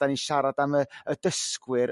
dan ni'n siarad am y y dysgwyr